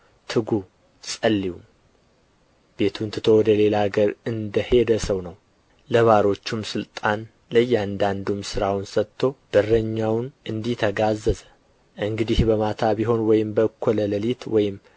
ትጉ ጸልዩም ቤቱን ትቶ ወደ ሌላ አገር እንደ ሄደ ሰው ነው ለባሮቹም ሥልጣን ለእያንዳንዱም ሥራውን ሰጥቶ በረኛውን እንዲተጋ አዘዘ እንግዲህ በማታ ቢሆን ወይም በእኩለ ሌሊት ወይም